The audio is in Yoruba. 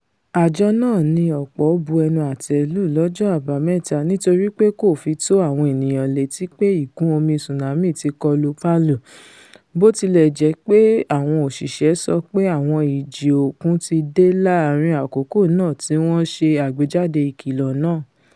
Àjọ náà ni ọ̀pọ̀ bu ẹnu àtẹ́ lù lọ́jọ́ Àbámẹ́ta nítorípe kò fitó àwọn ènìyàn létí pe ìkún-omi tsunami ti kọlu Palu, bó tilẹ̀ jẹ́ pé àwọn òṣiṣẹ́ sọ pé àwọn ìjì òkun ti dé láàrin àkókò náà tí wọ́n ṣe àgbéjáde ìkìlọ̀ náà.